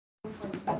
besh qo'l baravar emas